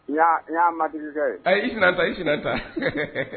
I y'a mabilikɛ ye i sina ta i sina ta